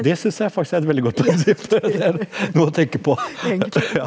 det syns jeg faktisk er et veldig godt prinsipp, det er noe og tenke på ja.